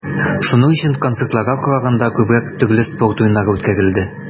Шуның өчен, концертларга караганда, күбрәк төрле спорт уеннары үткәрелде.